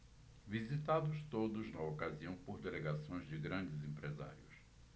visitados todos na ocasião por delegações de grandes empresários